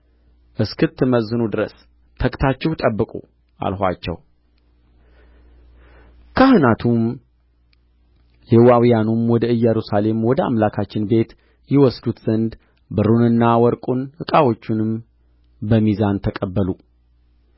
እስክትመዝኑ ድረስ ተግታችሁ ጠብቁ አልኋቸው ካህናቱና ሌዋውያኑም ወደ ኢየሩሳሌም ወደ አምላካችን ቤት ይወስዱት ዘንድ ብሩንና ወርቁን ዕቃዎቹንም በሚዛን ተቀበሉ